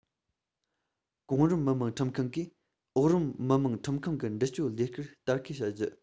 གོང རིམ མི དམངས ཁྲིམས ཁང གིས འོག རིམ མི དམངས ཁྲིམས ཁང གི འདྲི གཅོད ལས ཀར ལྟ སྐུལ བྱ རྒྱུ